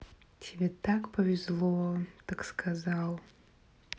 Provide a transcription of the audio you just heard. тебе так повезло так сказал